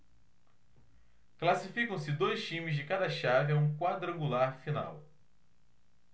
classificam-se dois times de cada chave a um quadrangular final